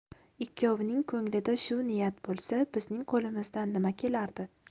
ikkovining ko'nglida shu niyat bo'lsa bizning qo'limizdan nima kelardi